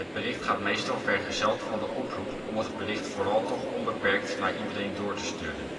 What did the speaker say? bericht gaat meestal vergezeld van de oproep om het bericht vooral toch onbeperkt naar iedereen door te sturen